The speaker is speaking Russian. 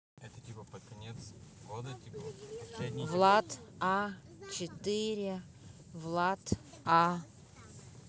влад а четыре влад а